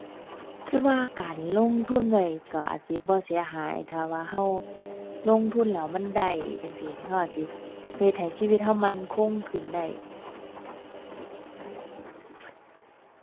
คิดว่าการลงทุนไว้ คิดอาจสิบ่เสียหาย ถ้าว่าคิดลงทุนแล้วมันได้จั่งซี้ คิดอาจสิ เฮ็ดให้ชีวิตคิดมั่นคงขึ้นได้